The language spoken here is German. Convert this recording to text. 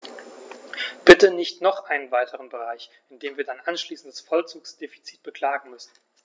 Bitte nicht noch einen weiteren Bereich, in dem wir dann anschließend das Vollzugsdefizit beklagen müssen.